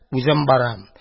Үзем барам!